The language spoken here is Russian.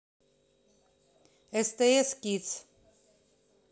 стс кидс